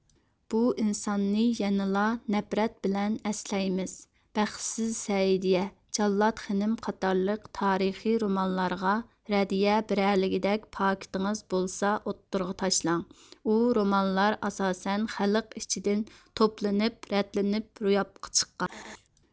بۇ ئىنساننى يەنىلا نەپرەت بىلەن ئەسلەيمىز بەختسىز سەئىدىيە جاللات خېنىم قاتارلىق تارىخى رومانلارغا رەددىيە بېرەلىگىدەك پاكىتىڭىز بولسا ئوتتۇرغا تاشلاڭ ئۇ رومانلار ئاساسەن خەق ئىچىدىن توپلىنىپ رەتلىنىپ روياپقا چىققان